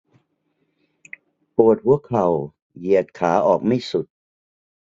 ปวดหัวเข่าเหยียดขาออกไม่สุด